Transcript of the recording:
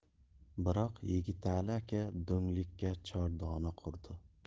biroq yigitali aka do'nglikka chordona qurdi